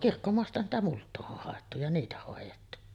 kirkkomaastahan sitä multaa on haettu ja niitä hoidettu